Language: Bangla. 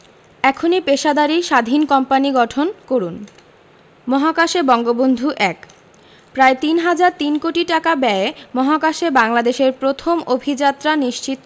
এখনই পেশাদারি স্বাধীন কোম্পানি গঠন করুন মহাকাশে বঙ্গবন্ধু ১ প্রায় তিন হাজার কোটি টাকা ব্যয়ে মহাকাশে বাংলাদেশের প্রথম অভিযাত্রা নিশ্চিত